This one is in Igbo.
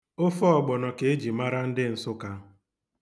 Ofe ọgbọnọ ka e ji mara ndị Nsụka.